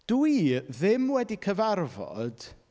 Dwi ddim wedi cyfarfod...